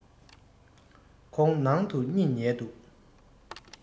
ཁོ ནང དུ གཉིད ཉལ འདུག